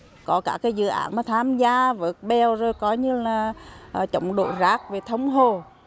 có các cái dự án mà tham gia vớt bèo rồi coi như là chống đổ rác với thông hồ